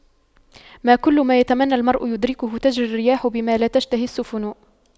ما كل ما يتمنى المرء يدركه تجرى الرياح بما لا تشتهي السفن